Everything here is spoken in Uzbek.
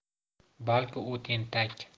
balki u tentak